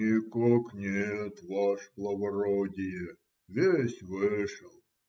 - Никак нет, ваше благородие, весь вышел.